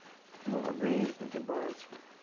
молодым погибать